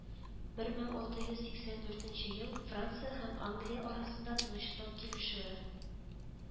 Бер мең алты йөз сиксән дүртенче ел франция һәм англия арасында тынычлык килешүе